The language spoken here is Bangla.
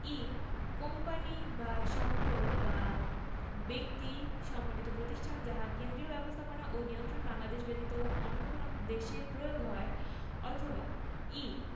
ই কোম্পানী বা সঙ্গ বা ব্যক্তি সমন্বিত প্রতিষ্ঠান যাহার কেন্দ্রীয় ব্যবস্থাপনা ও নিয়ন্ত্রণ বাংলাদেশ ব্যতীত অন্য কোন দেশে প্রয়োগ হয় অথবা ঈ